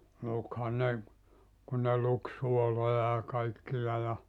lukihan ne kun ne luki suoloja ja kaikkia ja